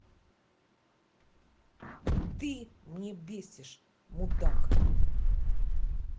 ты мне бесишь мудак